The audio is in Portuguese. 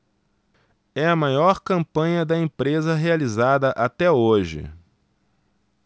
é a maior campanha da empresa realizada até hoje